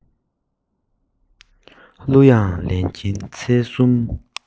གླུ དབྱངས ལེན གྱིན ཚེས གསུམ